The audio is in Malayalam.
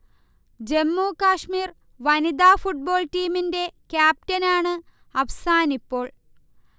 ജമ്മു കശ്മീർ വനിതാ ഫുട്ബോൾ ടീമിന്റെ ക്യാപ്റ്റനാണ് അഫ്സാനിപ്പോൾ